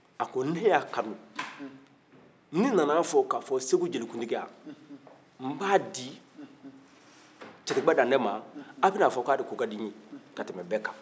a ko ne y'a kanu ni n nana fɔ ko segu jelikuntiya n b'a di cɛtigiba dante ma aw bɛna fɔ k'ale de ko ka di n ye ka tɛmɛ bɛɛ kan